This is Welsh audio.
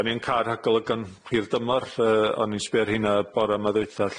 'Dan ni'n ca'l rhagolygon hir dymor yy o'n i'n sbio ar rheina yy bore ma' ddwytha lly a